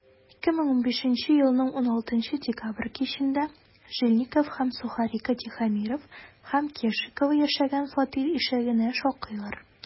2015 елның 16 декабрь кичендә жильников һәм сухарко тихомиров һәм кешикова яшәгән фатир ишегенә шакыйлар.